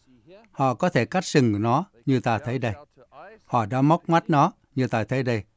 họ có thể cắt sừng nó như ta thấy đây họ đã móc mắt nó như ta thấy đây